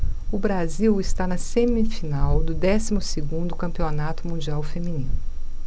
o brasil está na semifinal do décimo segundo campeonato mundial feminino